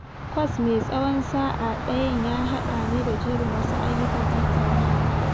Kwas mai tsawon sa’a ɗayan ya haɗa ne da jerin wasu ayyukan tattaunawa.